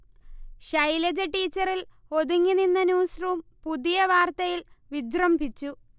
ശൈലജ ടീച്ചറിൽ ഒതുങ്ങിനിന്ന ന്യൂസ്റൂം പുതിയ വാർത്തയിൽ വിജൃംഭിച്ചു